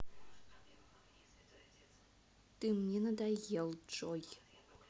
ты мне надоел джой